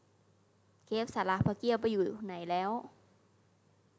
เครปศาลาพระเกี้ยวไปอยู่ไหนแล้ว